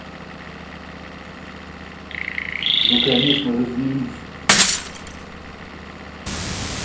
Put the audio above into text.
ну конечно развелись